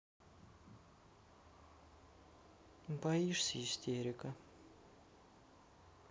боишься истерика